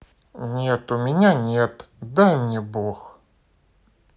нет у меня нет дай мне бог